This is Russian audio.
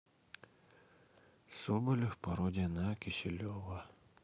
соболев пародия на киселева